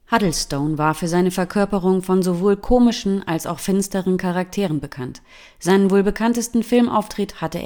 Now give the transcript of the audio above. Huddlestone war für seine Verkörperung von sowohl komischen als auch finsteren Charakteren bekannt. Seinen wohl bekanntesten Filmauftritt hatte